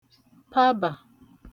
pabà